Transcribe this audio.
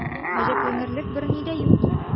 Гаҗәпләнерлек берни дә юк.